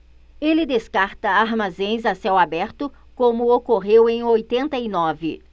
ele descarta armazéns a céu aberto como ocorreu em oitenta e nove